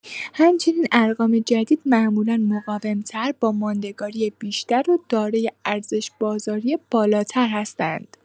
همچنین ارقام جدید معمولا مقاوم‌تر، با ماندگاری بیشتر و دارای ارزش بازاری بالاتر هستند.